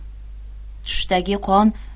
tushdagi qon